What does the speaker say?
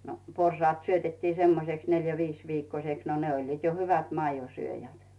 no porsaat syötettiin semmoiseksi neljä viisi viikkoiseksi no ne olivat jo hyvät maidonsyöjät